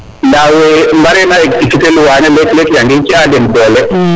nda we mbarena executer loi lek lek nange ci a den dole